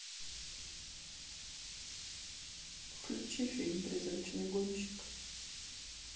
включи фильм призрачный гонщик